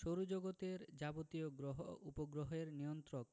সৌরজগতের যাবতীয় গ্রহ উপগ্রহের নিয়ন্ত্রক